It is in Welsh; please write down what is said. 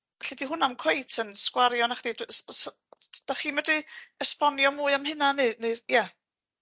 felly 'di hwnna'm cweit yn sgwario nachdi dach chi medri esbonio mwy am hynna neu neu ia.